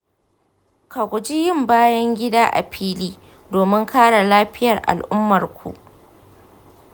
ka guji yin bayan gida a fili domin kare lafiyar al'ummarku.